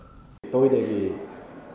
tôi đề nghị